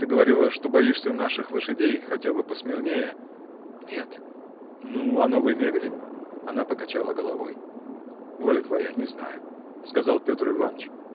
ты говорила, что боишься наших лошадей: хотела посмирнее. – Нет! – Ну, о новой мебели?. Она покачала головой. – Воля твоя не знаю – сказал Петр Иваныч